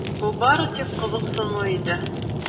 Бу бары тик кызыксыну иде.